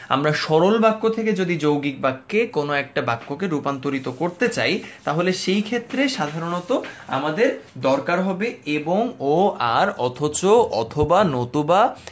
আমরা সরল বাক্য থেকে যদি যৌগিক বাক্যে কোন একটা বাক্যে রূপান্তরিত করতে চাই তাহলে সেই ক্ষেত্রে সাধারণত আমাদের দরকার হবে এবং ও আর অথচ অথবা নতুবা